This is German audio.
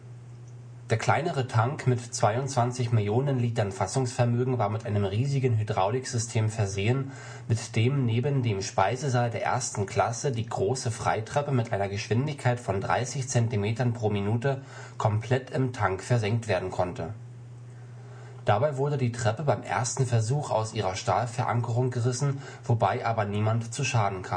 kleinere Tank mit 22 Millionen Litern Fassungsvermögen war mit einem riesigen Hydrauliksystem versehen, mit dem neben dem Speisesaal der 1. Klasse die große Freitreppe mit einer Geschwindigkeit von 30 cm pro Minute komplett im Tank versenkt werden konnte. Dabei wurde die Treppe beim ersten Versuch aus ihrer Stahlverankerung gerissen, wobei aber niemand zu Schaden